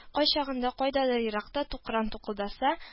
Кайчагында кайдадыр еракта тукран тукылдаса